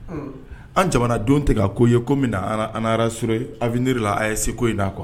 An jamana don tigɛ ko ye ko minna ansɔrɔ afirila a ye seko in naa kuwa